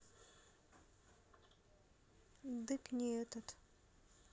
дык не этот